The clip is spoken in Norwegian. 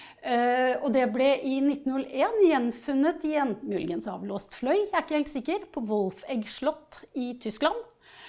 og det ble i 1901 gjenfunnet i en muligens avlåst fløy, jeg er ikke helt sikker, på Wolfegg slott i Tyskland.